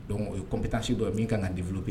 Dɔnc o ye compétence dɔ ye min ka kan ka développer .